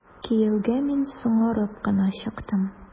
Кияүгә мин соңарып кына чыктым.